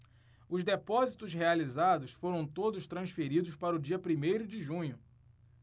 os depósitos realizados foram todos transferidos para o dia primeiro de junho